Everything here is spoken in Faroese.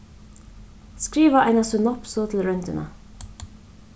skriva eina synopsu til royndina